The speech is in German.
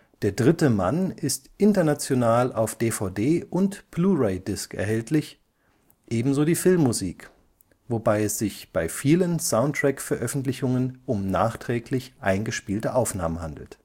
Der dritte Mann ist international auf DVD und Blu-ray Disc erhältlich, ebenso die Filmmusik, wobei es sich bei vielen Soundtrack-Veröffentlichungen um nachträglich eingespielte Aufnahmen handelt